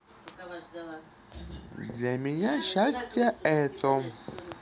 для меня счастье это